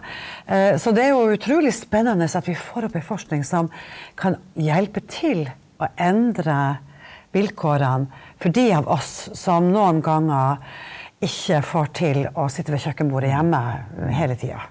så det er jo utrolig spennende at vi får opp ei forskning som kan hjelpe til å endre vilkårene for de av oss som noen ganger ikke får til å sitte ved kjøkkenbordet hjemme heile tida.